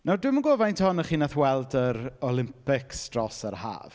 Nawr, dwi'm yn gwybod faint ohonoch chi wnaeth weld yr Olympics dros yr haf.